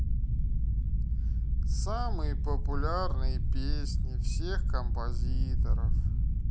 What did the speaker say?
самые популярные песни всех композиторов